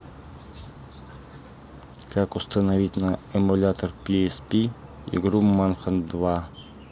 как установить на эмулятор psp игру манхант два